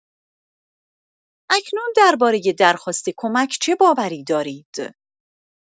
اکنون درباره درخواست کمک چه باوری دارید؟